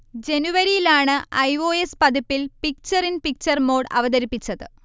ജനുവരിയിലാണ് I. O. S. പതിപ്പിൽ picture in picture mode അവതരിപ്പിച്ചത്